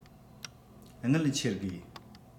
དངུལ འཁྱེར དགོས